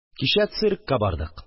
Кичә циркка бардык